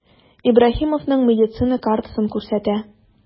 Ибраһимовның медицина картасын күрсәтә.